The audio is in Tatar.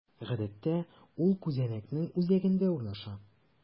Гадәттә, ул күзәнәкнең үзәгендә урнаша.